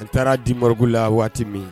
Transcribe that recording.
An taara di mori la waati min